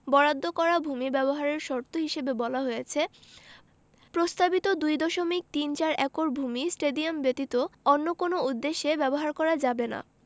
বরাদ্দ করা ভূমি ব্যবহারের শর্ত হিসেবে বলা হয়েছে প্রস্তাবিত ২ দশমিক তিন চার একর ভূমি স্টেডিয়াম ব্যতীত অন্য কোনো উদ্দেশ্যে ব্যবহার করা যাবে না